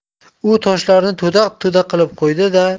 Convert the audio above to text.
u toshlarni to'da to'da qilib qo'ydi da